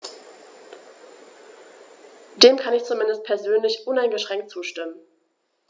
Dem kann ich zumindest persönlich uneingeschränkt zustimmen.